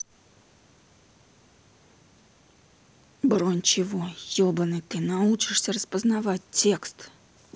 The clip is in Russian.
бронь чего ебаный ты научишься распознавать текст